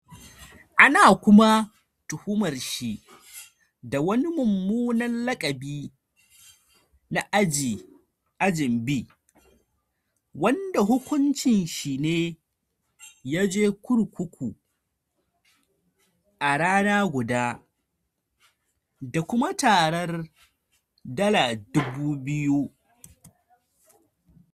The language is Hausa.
Ana kuma tuhumar shi da wani mummunan lakabi na Ajin B, wanda hukunci shi ne ya je kurkuku na rana guda da kuma tarar $2,000.